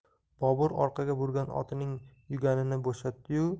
bobur orqaga burgan otining yuganini